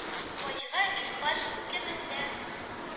Фаҗигагә Илфат ике мең дә